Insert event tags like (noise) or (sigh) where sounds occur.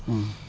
(hesitation)